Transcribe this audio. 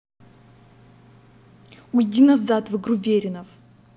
уйди назад в игру веринов